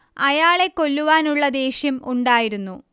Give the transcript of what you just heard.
അയാളെ കൊല്ലുവാനുള്ള ദേഷ്യം ഉണ്ടായിരുന്നു